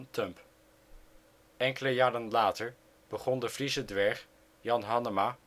Thumb. Enkele jaren later begon de Friese dwerg Jan Hannema